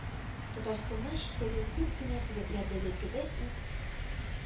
Татарстаннан читтәге күп кенә төбәкләрдәге кебек үк,